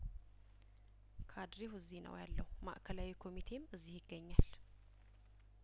ካድሬው እዚህ ነው ያለው ማእከላዊ ኮሚቴውም እዚህ ይገኛል